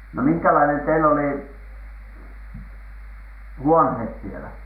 no minkälainen teillä oli huoneet siellä